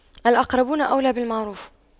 الأقربون أولى بالمعروف